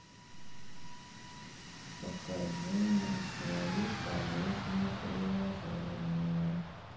покажи нам свои полезные приложения